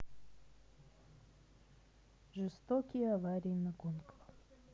жестокие аварии на гонках